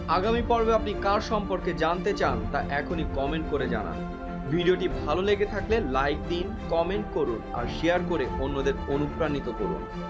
আগামী পর্বে আপনি কার সম্পর্কে জানতে চান তা এখনই কমেন্ট করে জানান ভিডিওটি ভাল লেগে থাকলে লাইক দিন কমেন্ট করুন আর শেয়ার করে অন্যদের অনুপ্রাণিত করুন